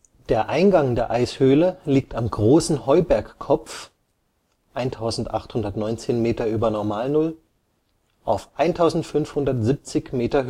Der Eingang der Eishöhle liegt am Großen Heubergkopf (1819 Meter über Normalnull) auf 1570 Meter